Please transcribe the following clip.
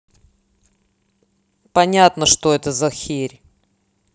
понятно что это за херь